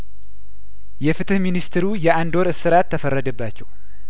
የፍትህ ሚኒስትሩ የአንድ ወር እስራት ተፈረደባቸው